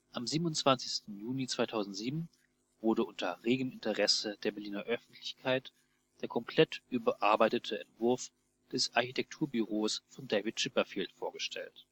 Am 27. Juni 2007 wurde unter regem Interesse der Berliner Öffentlichkeit der komplett überarbeitete Entwurf des Architekturbüros von David Chipperfield vorgestellt